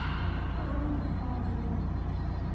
анна павлова